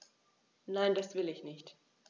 Nein, das will ich nicht.